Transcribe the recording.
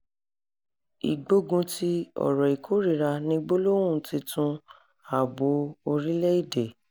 Ìgbógunti ọ̀rọ̀ ìkórìíra ni gbólóhùn tuntun ààbò orílẹ̀-èdè'